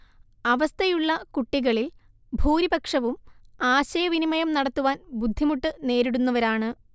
അവസ്ഥയുള്ള കുട്ടികളിൽ ഭൂരിപക്ഷവും ആശയവിനിമയം നടത്തുവാൻ ബുദ്ധിമുട്ട് നേരിടുന്നവരാണ്